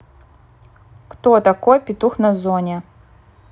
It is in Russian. кто такой петух на зоне